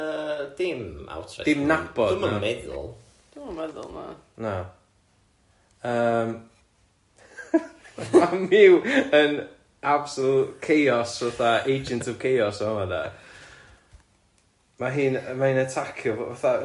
Yy dim outright... Dim nabod ...dwi'm yn meddwl. Dwi'm yn meddwl, na. Na. Yym ma' Miw yn absolute chaos fatha agent of chaos yn fa'ma de, ma' hi'n ma' hi'n attackio fo fatha yy